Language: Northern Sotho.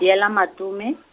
Dielamatume .